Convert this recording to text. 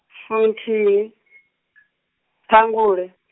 funthihi , ṱhangule.